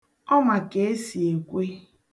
Ọ ma ka esi ekwe.